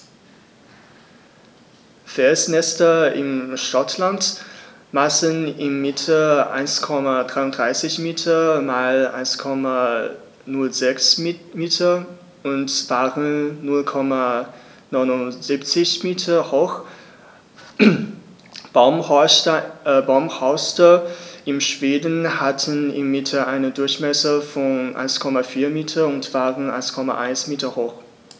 Felsnester in Schottland maßen im Mittel 1,33 m x 1,06 m und waren 0,79 m hoch, Baumhorste in Schweden hatten im Mittel einen Durchmesser von 1,4 m und waren 1,1 m hoch.